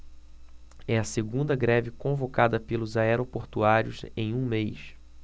é a segunda greve convocada pelos aeroportuários em um mês